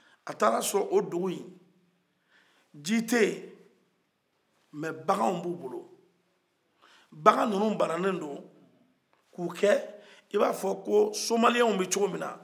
a taara sɔrɔ o dugu in ji tɛ yen mɛ baganw b'u bolo bagan ninnu bannanen do k'u kɛ i b'a fɔ ko somaliyɛnw bɛ cogo min na